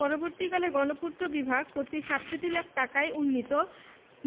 পরবর্তীকালে গণপূর্ত বিভাগ কর্তৃক ৬৭ লাখ ঢাকায় উন্নীত